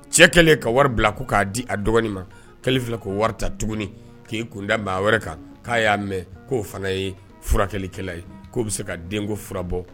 Cɛ kɛlen ka wari bila ko k'a di a dɔgɔni ma kɛlen filɛ k'o wari ta tuguni k'i kunda maa wɛrɛ kan k'a y'a mɛ k'o fana ye furakɛlikɛla ye k'o bi se ka denko fura bɔ